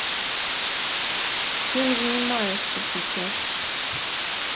чем занимаешься сейчас